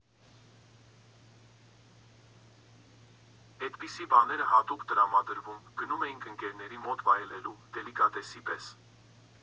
Էդպիսի բաները հատուկ տրամադրվում, գնում էինք ընկերների մոտ վայելելու, դելիկատեսի պես։